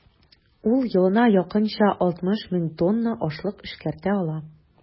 Ул елына якынча 60 мең тонна ашлык эшкәртә ала.